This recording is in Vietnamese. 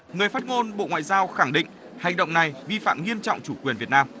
người phát ngôn bộ ngoại giao khẳng định hành động này vi phạm nghiêm trọng chủ quyền việt nam